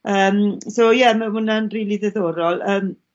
yym so ie ma' hwnna'n rili ddiddorol yym